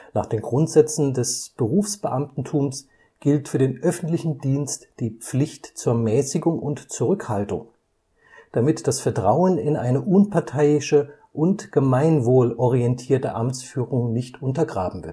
Nach den Grundsätzen des Berufsbeamtentums gilt für den öffentlichen Dienst die Pflicht zur Mäßigung und Zurückhaltung, damit das Vertrauen in eine unparteiische und gemeinwohlorientierte Amtsführung nicht untergraben